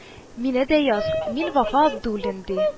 Мине дә яз, мин Вафа Абдуллин, ди